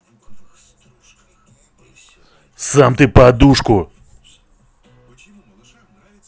сам ты подушку